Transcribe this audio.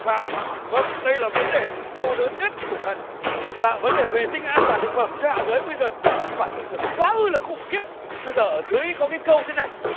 dạ vâng đây là vấn đề đau đớn nhất của thần dạ vấn đề vệ sinh an toàn thực phẩm dưới hạ giới bây giờ quả thực quá ư là khủng khiếp bây giờ ở dưới có cái câu thế này